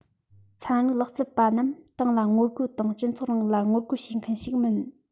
ཚན རིག ལག རྩལ པ རྣམས ཏང ལ ངོ རྒོལ དང སྤྱི ཚོགས རིང ལུགས ལ ངོ རྒོལ བྱེད མཁན ཞིག མིན